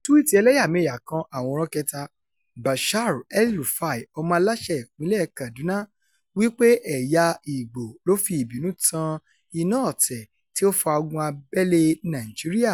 Túwíìtì ẹlẹ́yàmẹyà kan (Àwòrán 3) Bashir El-Rufai, ọmọ Aláṣẹ Ìpínlẹ̀ Kaduna, wí pé ẹ̀yà Igbo ló fi ìbínú tan iná ọ̀tẹ̀ tí ó fa Ogun Abẹ́lée Nàìjíríà.